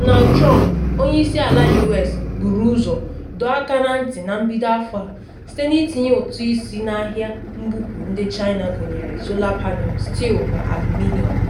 Donald Trump, Onye isi ala US, buru ụzọ dọọ aka na ntị na mbido afọ a site na itinye ụtụ isi na ahịa mbupu ndị China gụnyere sọla panel, steel na aluminium.